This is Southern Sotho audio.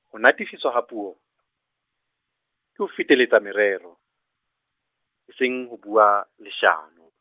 ho natefiswa ha puo, ke ho feteletsa morero, e seng ho bua leshano.